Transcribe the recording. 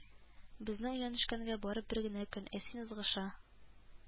Безнең өйләнешкәнгә бары бер генә көн, ә син ызгыша